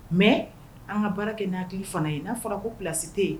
Mais an ka baara kɛ ni hakili fana ye. Na fɔra ko place te yen.